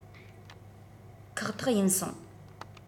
ཁེག ཐེག ཡིན སོང